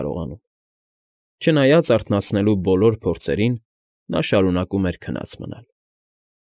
Կարողանում։ Չնայած արթնացնելու բոլոր փորձերին՝ նա շարունակում էր քնած մնալ։